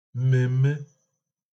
m̀mèm̀me